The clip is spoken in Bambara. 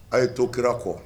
A' ye to kira kɔ